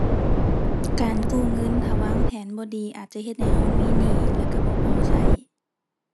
การกู้เงินถ้าวางแผนบ่ดี อาจจะเฮ็ดให้เรามีหนี้แล้วเราบ่พอเรา